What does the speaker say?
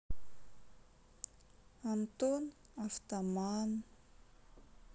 антон автоман